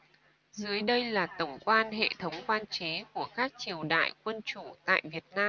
dưới đây là tổng quan hệ thống quan chế của các triều đại quân chủ tại việt nam